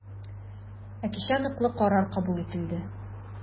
Ә кичә ныклы карар кабул ителде.